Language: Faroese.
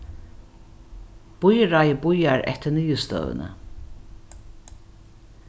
bygdarráðið bíðar eftir niðurstøðuni